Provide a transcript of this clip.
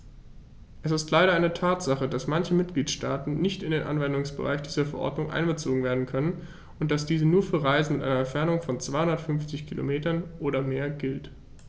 Es ist leider eine Tatsache, dass manche Mitgliedstaaten nicht in den Anwendungsbereich dieser Verordnung einbezogen werden können und dass diese nur für Reisen mit einer Entfernung von 250 km oder mehr gilt.